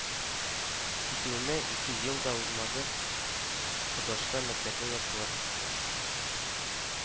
Китүемә ике елда узмады Кодашта мәктәпне яптылар